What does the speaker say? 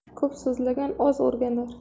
ko'p so'zlagan oz o'rganar